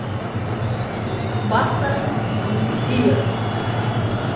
баста и зиверт